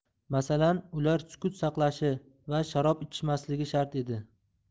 masalan ular sukut saqlashi va sharob ichmasligi shart edi